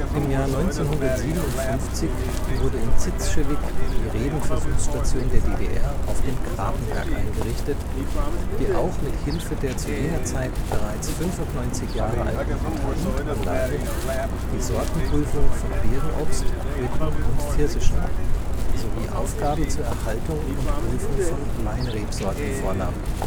1957 wurde in Zitzschewig die Rebenversuchsstation der DDR auf dem Krapenberg eingerichtet, die auch mit Hilfe der zu jener Zeit bereits 95 Jahre alten Talutanlage die Sortenprüfung von Beerenobst, Quitten und Pfirsichen sowie Aufgaben zur Erhaltung und Prüfung von Weinrebsorten vornahm